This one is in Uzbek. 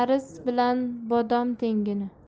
aris bilan bodom tengmi